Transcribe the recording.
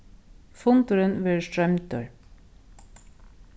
fundurin verður stroymdur